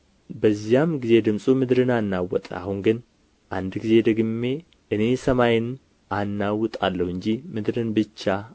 በዚያም ጊዜ ድምፁ ምድርን አናወጠ አሁን ግን አንድ ጊዜ ደግሜ እኔ ሰማይን አናውጣለሁ እንጂ ምድርን ብቻ